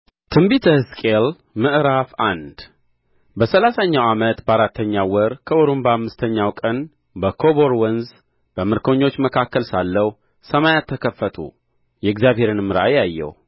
ትንቢተ ሕዝቅኤል ምዕራፍ አንድ በሠላሳኛው ዓመት በአራተኛው ወር ከወሩም በአምስተኛው ቀን በኮቦር ወንዝ በምርኮኞች መካከል ሳለሁ ሰማያት ተከፈቱ የእግዚአብሔርንም ራእይ አየሁ